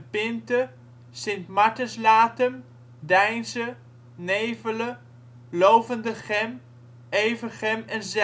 Pinte Sint-Martens-Latem Deinze Nevele Lovendegem Evergem Zelzate